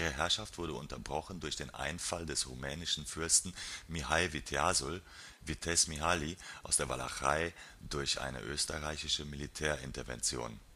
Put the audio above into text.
Herrschaft wurde unterbrochen durch den Einfall des rumänischen Fürsten Mihai Viteazul (Vitéz Mihály) aus der Walachei und durch eine österreichische Militärintervention